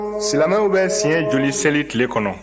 silamɛw bɛ siɲɛ joli seli tile kɔnɔ